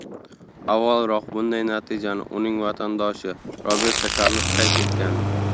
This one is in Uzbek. avvalroq bunday natijani uning vatandoshi roberto karlos qayd etgandi